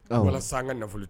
Wala san an ka nafololi tɛ